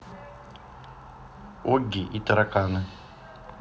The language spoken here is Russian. огги и тараканы